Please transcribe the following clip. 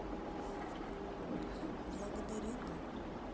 благодаренда